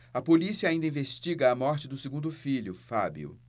a polícia ainda investiga a morte do segundo filho fábio